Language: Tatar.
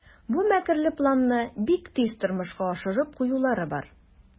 Бу мәкерле планны бик тиз тормышка ашырып куюлары бар.